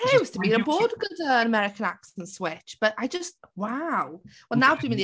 I used to be on a board gyda American accent switch but I just wow. Wel nawr dwi'n mynd i...